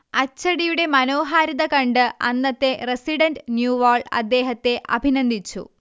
അച്ചടിയുടെ മനോഹാരിത കണ്ട് അന്നത്തെ റസിഡന്റ് നൂവാൾ അദ്ദേഹത്തെ അഭിനന്ദിച്ചു